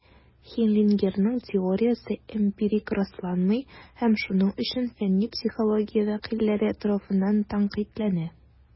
Хеллингерның теориясе эмпирик расланмый, һәм шуның өчен фәнни психология вәкилләре тарафыннан тәнкыйтьләнә.